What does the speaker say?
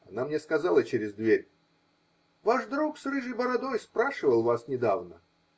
Она мне сказала через дверь: -- Ваш друг с рыжей бородой спрашивал вас недавно.